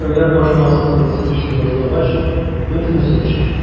Дәүләт машинасы тынгысыз эшли башлагач - бөтенесе оча.